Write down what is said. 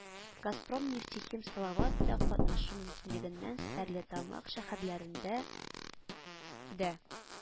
“газпром нефтехим салават”, да катнашу мөмкинлегеннән стәрлетамак шәһәрләрендә дә